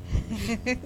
<RIRES<